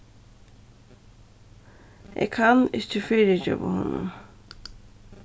eg kann ikki fyrigeva honum